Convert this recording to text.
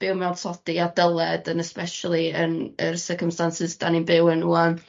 byw mewn tlodi a dyled yn esbesially yn yr circumstances 'dan ni'n byw yn ŵan.